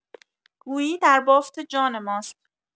گویی در بافت جان ماست.